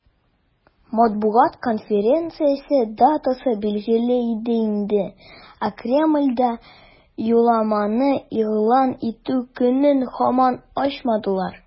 Матбугат конференциясе датасы билгеле иде инде, ә Кремльдә юлламаны игълан итү көнен һаман ачмадылар.